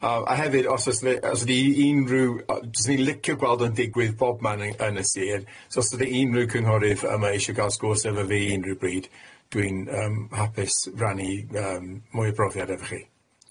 A a hefyd os o's fe- os ydi unrhyw o- 'sa fi'n licio gweld o'n digwydd bobman yng- yn y sir so os ydi unrhyw cynghorydd yma eisio ga'l sgwrs efo fi unrhyw bryd dwi'n yym hapus rannu yym mwy o brofiad efo chi.